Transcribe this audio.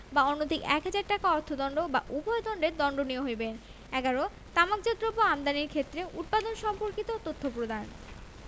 বা অনধিক এক হাজার টাকা অর্থ দন্ড অথবা উভয় দণ্ডে দন্ডনীয় হইবেন ১১ তামাকজাত দ্রব্য আমদানির ক্ষেত্রে উপাদান সম্পর্কিত তথ্য প্রদানঃ